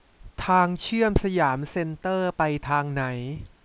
ทางเชื่อมสยามเซนเตอร์ไปทางไหน